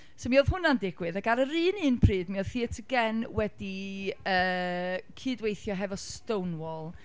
So mi oedd hwnna'n digwydd ac ar yr un un pryd, mi oedd Theatr Gen wedi yy cydweithio hefo 'Stonewall'...